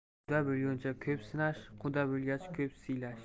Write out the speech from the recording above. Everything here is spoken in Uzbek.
quda bo'lguncha ko'p sinash quda bo'lgach ko'p siylash